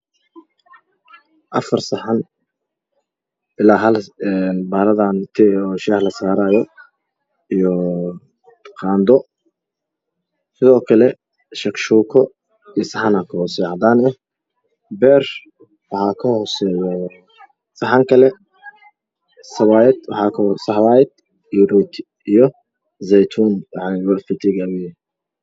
Afar saxan ilaa bahalada shaaha la saaraayo iyo qaando ,sidoo kale shaka-shuuko iyo saxanaa ka hooseeyo cadaan ah ,Beer waxaa ka hooseeyo saxan kale, sawaayad waxaa ka hooseeyo iyo rooti saynuun iyo caano rooti tak away eh.